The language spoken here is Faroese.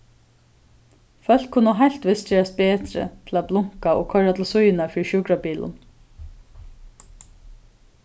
fólk kunnu heilt víst gerast betri til at blunka og koyra til síðuna fyri sjúkrabilum